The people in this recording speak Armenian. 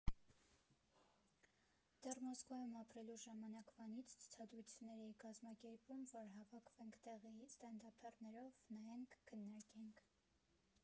Դեռ Մոսկվայում ապրելուս ժամանակվանից ցուցադրություններ էի կազմակերպում, որ հավաքվենք տեղի ստենդափերներով, նայենք, քննարկենք։